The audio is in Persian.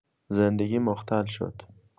زندگی مختل شد.